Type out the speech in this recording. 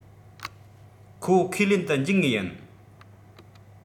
ཁོ ཁས ལེན དུ འཇུག ངེས ཡིན